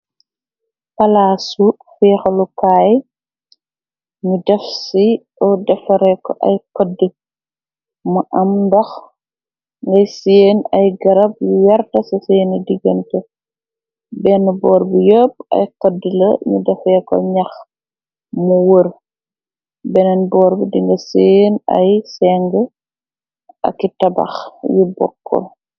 Palaasu fiixlu kaay ñu def si "or" defare ko ay koddi, mu am ndox ngay seen ay garab yu werta, Ci seeni digante, benn boor bi yepp, ay koddi la ñu defee ko ñax mu wërta. Bennë boor bi di nga seen ay sengë aki tabax yu bookul.